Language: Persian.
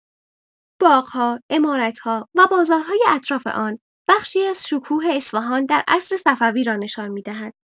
باغ‌ها، عمارت‌ها و بازارهای اطراف آن بخشی از شکوه اصفهان در عصر صفوی را نشان می‌دهند.